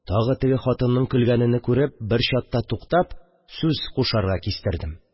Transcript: Тагы теге хатынның көлгәнене күреп, бер чатта туктап, сүз кушарга кистердем